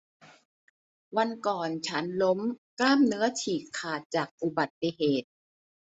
วันก่อนฉันล้มกล้ามเนื้อฉีกขาดจากอุบัติเหตุ